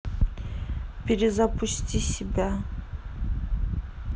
перезапусти себя